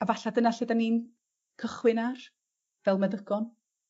A falla dyna lle 'dan ni'n cychwyn ar? Fel meddygon?